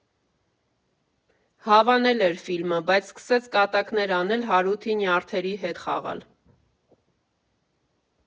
Հավանել էր ֆիլմը, բայց սկսեց կատակներ անել, Հարութի նյարդերի հետ խաղալ։